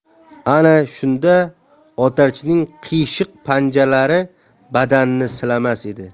ana shunda otarchining qiyshiq panjalari badanini silamas edi